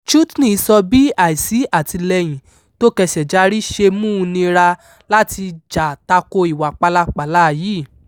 Chutni sọ bí àìsí àtìlẹ́yìn tó késejárí ṣe mú u nira láti jà tako ìwà pálapàla yìí.